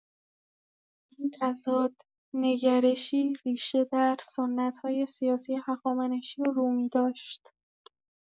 این تضاد نگرشی، ریشه در سنت‌های سیاسی هخامنشی و رومی داشت.